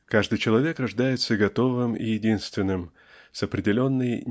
Каждый человек рождается готовым и единственным с определенной